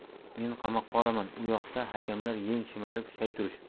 men qamoqqa olaman u yoqda hakamlar yeng shimarib shay turishibdi